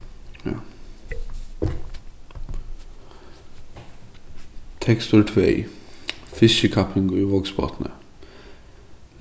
ja tekstur tvey fiskikapping í vágsbotni